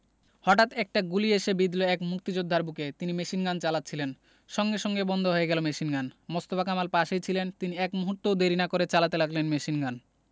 হতাৎ একটা গুলি এসে বিঁধল এক মুক্তিযোদ্ধার বুকে তিনি মেশিনগান চালাচ্ছিলেন সঙ্গে সঙ্গে বন্ধ হয়ে গেল মেশিনগান মোস্তফা কামাল পাশেই ছিলেন তিনি এক মুহূর্তও দেরি না করে চালাতে লাগলেন মেশিনগান